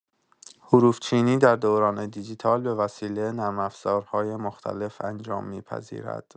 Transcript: حروف‌چینی در دوران دیجیتال به وسیله نرم‌افزارهای مختلف انجام می‌پذیرد.